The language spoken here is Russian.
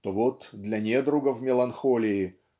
то вот для недругов меланхолии